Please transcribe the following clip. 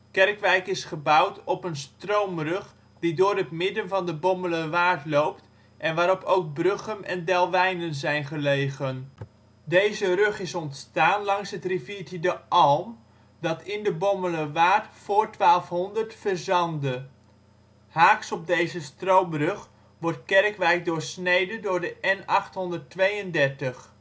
Kerkwijk is gebouwd op een stroomrug die door het midden van de Bommelerwaard loopt en waarop ook Bruchem en Delwijnen zijn gelegen. Deze rug is ontstaan langs het riviertje de Alm, dat in de Bommelerwaard voor 1200 verzandde. Haaks op deze stroomrug wordt Kerkwijk doorsneden door de N832. De